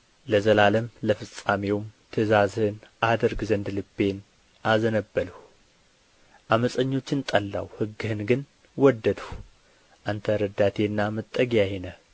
ለዘላለም ለፍጻሜውም ትእዛዝህን አደርግ ዘንድ ልቤን አዘነበልሁ ዓመፀኞችን ጠላሁ ሕግህን ግን ወደድሁ አንተ ረዳቴና መጠጊያዬ ነህ